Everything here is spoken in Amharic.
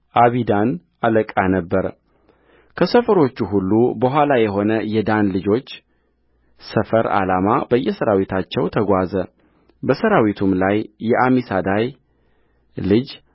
አቢዳን አለቃ ነበረከሰፈሮቹ ሁሉ በኋላ የሆነ የዳን ልጆች ሰፈር ዓላማ በየሠራዊታቸው ተጓዘ በሠራዊቱም ላይ የአሚሳዳይ ልጅ